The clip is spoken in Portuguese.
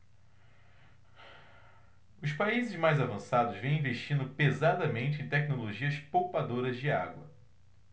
os países mais avançados vêm investindo pesadamente em tecnologias poupadoras de água